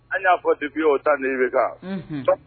An y'a fɔ dibi o ta min bɛ